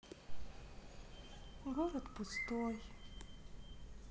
город пустой